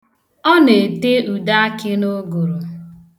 Ọ na-ete udeakị n' ụgụrụ.